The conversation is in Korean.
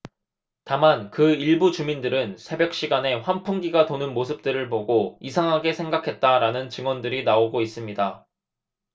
다만 그 일부 주민들은 새벽 시간에 환풍기가 도는 모습들을 보고 이상하게 생각했다라는 증언들이 나오고 있습니다